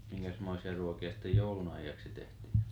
minkäsmoisia ruokia sitten joulunajaksi tehtiin